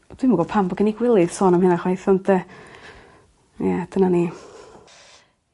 dwi'm yn gwbo pam bo' gin i gwilydd sôn am hynna chwaith ond yy ie dyna ni.